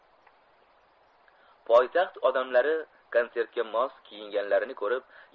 poytaxt odamlari kontsertga mos kiyinganlarini 'rib